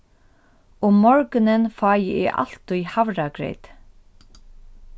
um morgunin fái eg altíð havragreyt